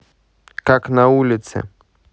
как на улице